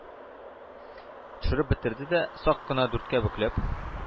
Төшереп бетерде дә, сак кына дүрткә бөкләп,